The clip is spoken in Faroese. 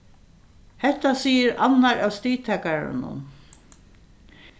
hetta sigur annar av stigtakarunum